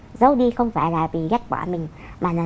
dấu đi không phải là vì ghét bỏ mình mà